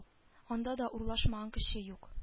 Анда да урлашмаган кеше юк